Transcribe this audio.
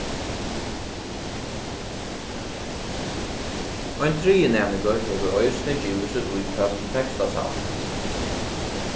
ein triði næmingur hevur eisini givið sítt íkast til tekstasavnið